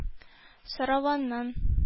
Соравыннан